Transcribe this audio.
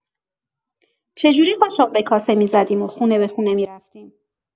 چجوری قاشق به کاسه می‌زدیم و خونه به خونه می‌رفتیم!